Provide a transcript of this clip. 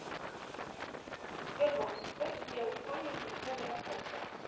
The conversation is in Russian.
sberbox как сделать маленький квадракоптер